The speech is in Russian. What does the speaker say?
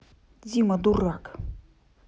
дима дурак